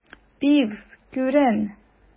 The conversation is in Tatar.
Пивз, күрен!